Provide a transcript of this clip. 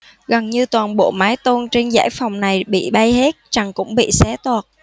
gần như toàn bộ mái tôn trên dãy phòng này bị bay hết trần cũng bị xé toạc